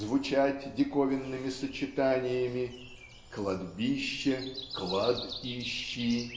звучать диковинными сочетаниями "кладбище -- клад ищи"